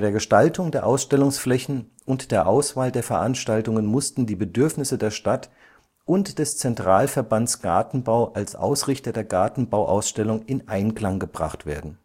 Gestaltung der Ausstellungsflächen und der Auswahl der Veranstaltungen mussten die Bedürfnisse der Stadt und des Zentralverbands Gartenbau als Ausrichter der Gartenbauausstellung in Einklang gebracht werden